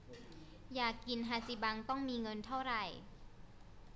อยากกินฮาจิบังต้องมีเงินเท่าไร